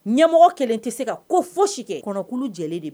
Ɲɛmɔgɔ kelen tɛ se ka ko fo si kɛ kɔnɔkulu jɛ de